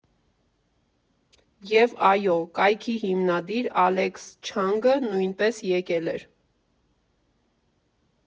ԵՒ այո, կայքի հիմնադիր Ալեքս Չանգը նույնպես եկել էր։